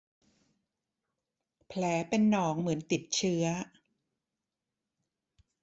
แผลเป็นหนองเหมือนติดเชื้อ